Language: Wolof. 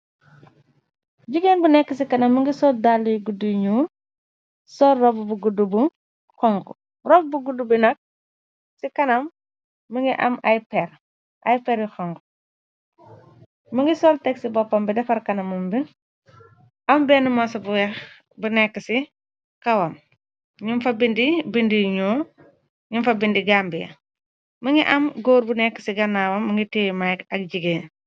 Jigeen bu nekk ci kanam mi ngi sol dàlli guddu bu ñul sol rob bu gudd bu hxonkhu robu bu gudd bi nag ci kanam mngi am ay peri ay perr yu xonkhu mi ngi sol teg ci boppam bi defar kanamam bi am benn mosa bu wex bu nekk ci kawam nyufa bindi bindi yu nul nyufa bindi gàmbi më ngi am góor bu nekk ci ganaawam ngi tiyeh mike ak jigeen.